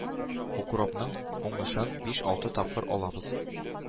Укропның уңышын биш-алты тапкыр алабыз.